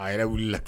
A yɛrɛ wulila la k